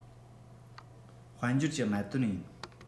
དཔལ འབྱོར གྱི གནད དོན ཡིན